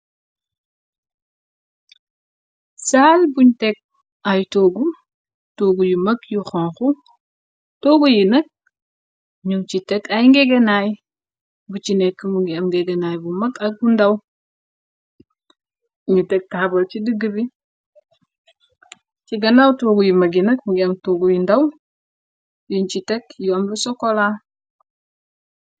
Saal buñ tekg ay tóogu, tuogu yu mag yu xanxu. Toogu yi nak ñum ci tekk ay ngéggenaay, bu ci nekk mungi am ngéggenaay bu mag ak bu ndaw, nu teg taabol ci digg bi, ci ganaaw tuogu yu mag yinag m ngi am tuogu yu ndaw , yuñ ci tekk yu am lu sokola.